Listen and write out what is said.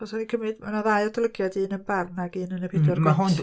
dylsa ni cymyd... ma' 'na ddau adolygiad un yn Barn ac un yn Y Pedwar Gwynt.